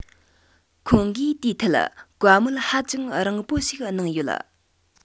ཁོང གིས དེའི ཐད བཀའ མོལ ཧ ཅང རིང པོ ཞིག གནང ཡོད